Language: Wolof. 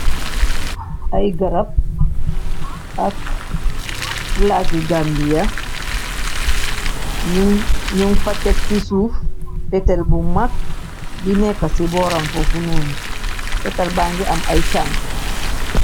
Ay garab ak flag gi Gambia ñu fa teg ci suuf fetal bu magg bi nekka ci booram fa fofununu fetal ba ngi ameh ay tank.